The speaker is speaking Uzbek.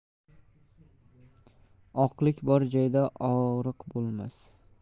oqlik bor joyda og'riq bo'lmas